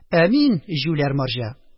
Ә мин, җүләр марҗа